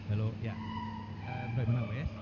Helo, ie. Yy reit ma' hwnna'n well.